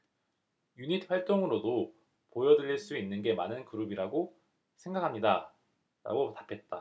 유닛 활동으로도 보여드릴 수 있는 게 많은 그룹이라고 생각합니다라고 답했다